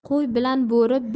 qo'y bilan bo'ri